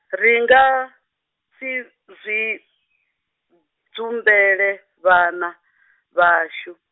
ri nga, si zwi, dzumbele, vhana, vhashu.